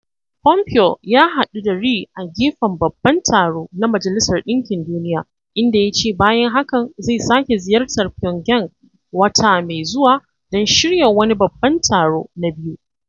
Pompeo ya haɗu da Ri a gefen Babban Taro na Majalisar Ɗinkin Duniya inda ya ce bayan hakan zai sake ziyartar Pyongyang wata mai zuwa don shirya wani babban taro na biyu.